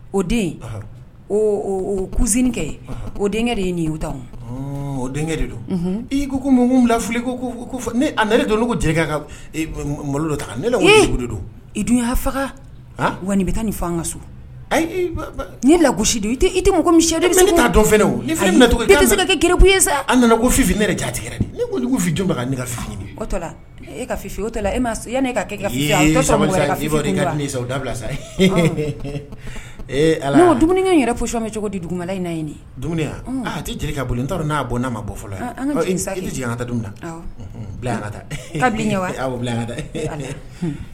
O den kukɛ o denkɛ de ye nin o denkɛ de don i ko mun bila fili ko don n ka malo dɔ ta ne don i dun faga wa bɛ taa nin ka so ayi lakusi don i tɛ ko'a dɔn ye sa a nana ko fi ne dɛ ne kainin la e kaye o la e ma i yan ne e ka kɛ sa da bila sa ala dumunikɛ n yɛrɛsimɛ cogo di dugula i na tɛ jeli ka n n'a bɔ'a ma bɔ fɔlɔ yan an dun na bila